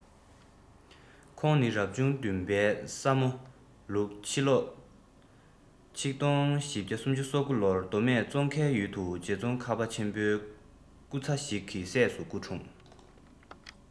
ཁོང ནི རབ བྱུང བདུན པའི ས མོ ལུག ཕྱི ལོ ༡༤༣༩ ལོར མདོ སྨད ཙོང ཁའི ཡུལ དུ རྗེ ཙོང ཁ པ ཆེན པོའི སྐུ ཚ ཞིག གི སྲས སུ སྐུ འཁྲུངས